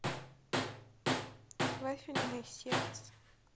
вафельное сердце